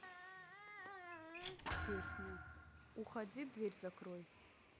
песня уходи дверь закрой